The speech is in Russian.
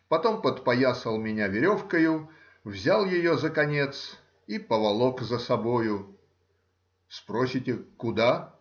потом подпоясал меня веревкою, взял ее за конец и поволок за собою. Спросите: куда?